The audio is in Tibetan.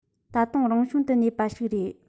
ད དུང རང བྱུང དུ གནས པ ཞིག རེད